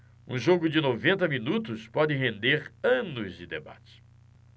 um jogo de noventa minutos pode render anos de debate